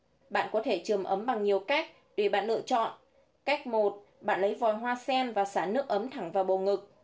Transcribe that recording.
bạn có thể chườm ấm bằng nhiều cách tùy bạn lựa chọn cách bạn lấy vòi hoa sen và xả nước ấm thẳng vào bầu ngực